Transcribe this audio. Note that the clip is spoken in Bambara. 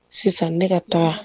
Sisan ne ka taa